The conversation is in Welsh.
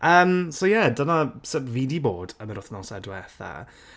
Yym so ie dyna sut fi 'di bod yn yr wythnosau diwetha.